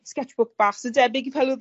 scetchbook bach so debyg i fel odd